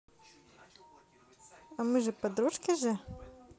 а мы же подружки же